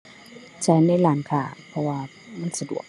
ใช้ในร้านค้าเพราะว่ามันสะดวก